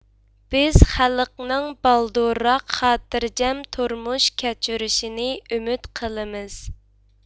بىز خەلقنىڭ بالدۇرراق خاتىرجەم تۇرمۇش كەچۈرۈشىنى ئۈمىد قىلىمىز